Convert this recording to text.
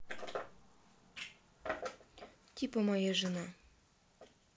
типа моя жена